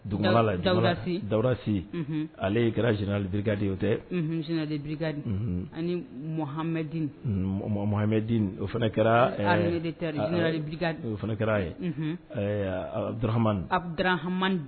Daou Daouda Sy Daouda Sy unhun ale kɛra général de brigade ye o tɛ unhun géneral de brigade unhun ani Mohamedine unhun moha moha Mohamedine o fɛnɛ kɛraa ɛɛ armée de terre ye général de brigade o fɛnɛ kɛr'a ye unhun ɛɛ a Abdrahamane Abdrahamane